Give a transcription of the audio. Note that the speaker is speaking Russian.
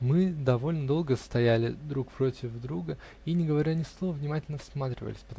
Мы довольно долго стояли друг против друга и, не говоря ни слова, внимательно всматривались